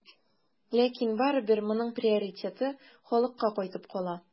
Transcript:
Ләкин барыбер моның приоритеты халыкка кайтып кала.